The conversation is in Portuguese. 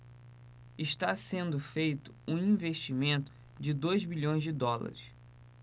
está sendo feito um investimento de dois bilhões de dólares